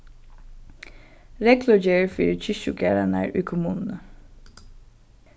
reglugerð fyri kirkjugarðarnar í kommununi